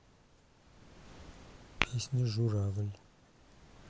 песня журавль